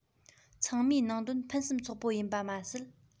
ཚང མའི ནང དོན ཕུན སུམ ཚོགས པོ ཡིན པ མ ཟད